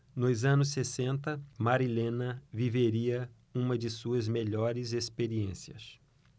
nos anos sessenta marilena viveria uma de suas melhores experiências